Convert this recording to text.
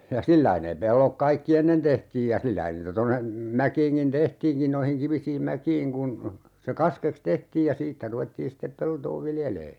ja sillä lailla ne pellot kaikki ennen tehtiin ja sillähän niitä tuonne mäkiinkin tehtiinkin noihin kivisiin mäkiin kun se kaskeksi tehtiin ja siitä ruvettiin sitten peltoa viljelemään